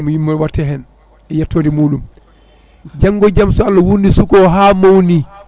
inde yumma o watte hen e yettode muɗum janggo e jaam so Allah wuurni suuka o ha mawni